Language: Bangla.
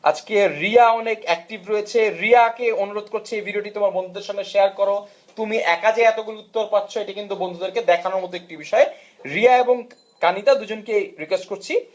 আজকে রিয়া অনেক একটিভ রয়েছ রিয়া কে অনুরোধ করছি এই ভিডিওটি তোমার বন্ধুদের সঙ্গে শেয়ার করো তুমি একা যে এত উত্তর পারছো এটি কিন্তু বন্ধুদেরকে দেখানোর মত একটি বিষয় রিয়া এবং কাঙ্খিতা দুজনকে রিকোয়েস্ট করছি